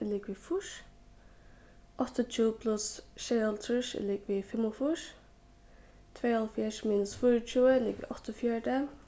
er ligvið fýrs áttaogtjúgu pluss sjeyoghálvtrýss er ligvið fimmogfýrs tveyoghálvfjerðs minus fýraogtjúgu ligvið áttaogfjøruti